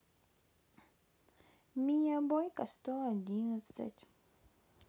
миа бойка сто одиннадцать